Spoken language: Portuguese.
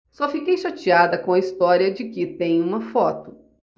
só fiquei chateada com a história de que tem uma foto